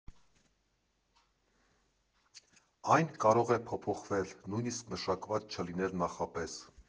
Այն կարող է փոփոխվել, նույնիսկ մշակված չլինել նախապես։